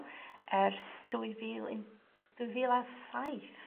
... ers dwy fil un- dwy fil a saith.